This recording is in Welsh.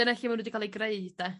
...dyna lle ma' nw wedi ga'l 'u greu 'de?